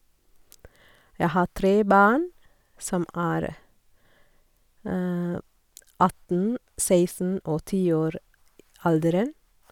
Jeg har tre barn, som er atten, seksten og ti år alderen.